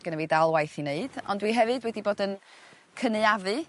gynno fi dal waith i neud ond dwi hefyd wedi bod yn cynaeafu